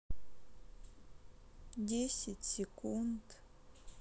десять секунд